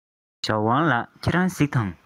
ཞའོ ཝང ལགས ཁྱེད རང གཟིགས དང